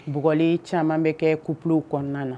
Buglen caman bɛ kɛ kup kɔnɔna na